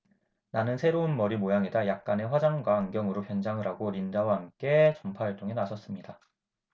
나는 새로운 머리 모양에다 약간의 화장과 안경으로 변장을 하고 린다와 함께 전파 활동에 나섰습니다